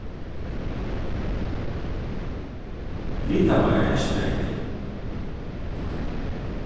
litava er eystureftir